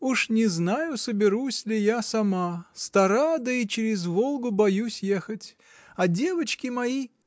Уж не знаю, соберусь ли я сама: стара да и через Волгу боюсь ехать. А девочки мои.